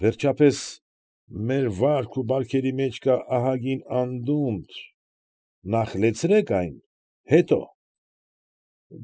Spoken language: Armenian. Վերջապես, մեր վարք ու բարքերի մեջ կա ահագին անդունդ, նախ լեցրեք այն՝ հետո։